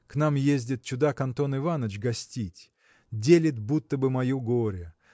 к нам ездит чудак Антон Иваныч гостить, делить будто бы мое горе